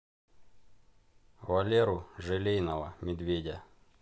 валеру желейного медведя